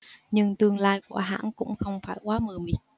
nhưng tương lai của hãng cũng không phải quá mờ mịt